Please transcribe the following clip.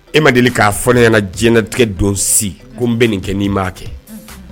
E ma deli k'a fɔ ɲɛna jinɛinɛtigɛ don si ko n bɛ nin kɛ n' i m maa kɛ